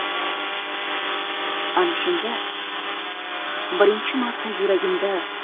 ana shunda birinchi marta yuragimda